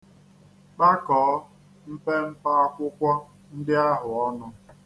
Kpakọọ mpempe akwụkwọ ndị ahụ ọnụ.